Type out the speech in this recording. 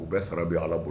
U bɛɛ sara bɛ Ala bolo